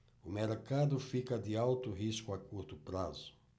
o mercado fica de alto risco a curto prazo